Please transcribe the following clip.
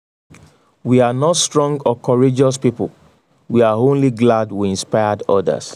We are not strong or courageous people... we are only glad we inspired others.